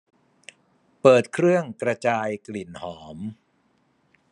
เปิดเครื่องกระจายกลิ่นหอม